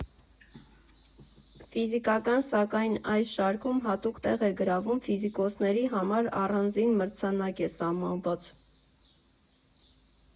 Ֆիզիկան, սակայն, այս շարքում հատուկ տեղ է գրավում՝ ֆիզիկոսների համար առանձին մրցանակ է սահմանված։